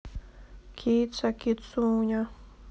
кица кицуня